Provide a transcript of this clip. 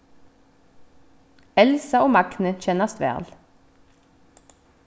elsa og magni kennast væl